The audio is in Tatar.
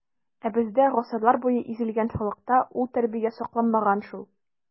Ә бездә, гасырлар буе изелгән халыкта, ул тәрбия сакланмаган шул.